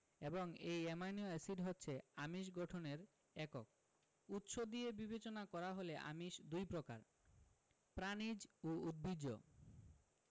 এবং এই amino acid হচ্ছে আমিষ গঠনের একক উৎস দিয়ে বিবেচনা করা হলে আমিষ দুই প্রকার প্রাণিজ ও উদ্ভিজ্জ